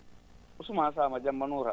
Ousmane Samaa Jammbaoura